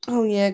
Oh yeah.